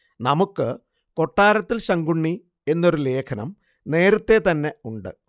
നമുക്ക് കൊട്ടാരത്തിൽ ശങ്കുണ്ണി എന്നൊരു ലേഖനം നേരത്തേ തന്നെ ഉണ്ട്